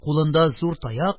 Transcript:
Кулында зур таяк,